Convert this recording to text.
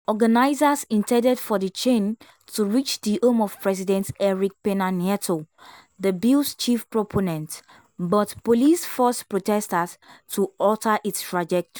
Organizers intended for the chain to reach the home of President Enrique Pena Nieto, the bill’s chief proponent, but police forced protesters to alter its trajectory.